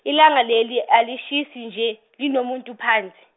ilanga leli alishisi nje linomuntu phansi.